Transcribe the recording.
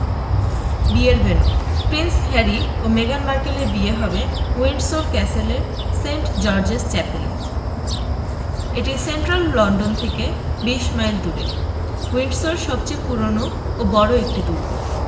বিয়ের venue Prince Harry ও মেগান মার্কেলের বিয়ে হবে উইন্ডসর ক্যাসেলের সেন্ট জর্জেস চ্যাপেলে এটি সেন্ট্রাল লন্ডন থেকে ২০ মাইল দূরে উইন্ডসর সবচেয়ে পুরোনো ও বড় একটি দুর্গ